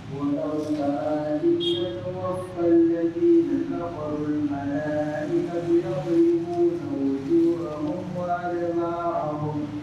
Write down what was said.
Mɔlɔba yo' leji labɔfila wadu kunn mɔgɔ mɔ